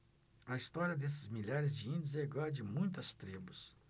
a história desses milhares de índios é igual à de muitas tribos